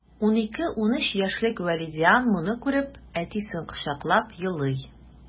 12-13 яшьлек вәлидиан моны күреп, әтисен кочаклап елый...